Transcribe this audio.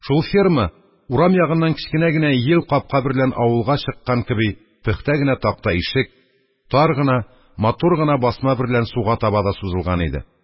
Шул ферма, урам ягыннан кечкенә генә йил капка берлән авылга чыккан кеби, пөхтә генә такта ишек, тар гына, матур гына басма берлән суга таба да сузылган иде.